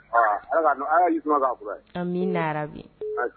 Ala ala y'i kuma b'a an min na bi